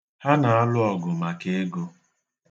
Ha na-alụ ọgụ maka ego.